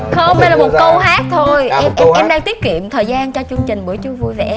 không đây là một câu hát thôi em em em đang tiết kiệm thời gian cho chương trình bữa trưa vui vẻ